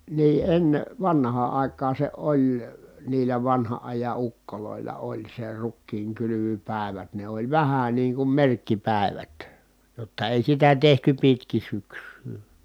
niin ennen vanhaan aikaan se oli niillä vanhan ajan ukoilla oli se rukiinkylvöpäivät ne oli vähän niin kuin merkkipäivät jotta ei sitä tehty pitkin syksyä